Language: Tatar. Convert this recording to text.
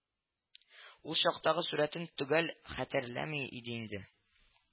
Ул чактагы сурәтен төгәл хәтерләми иде инде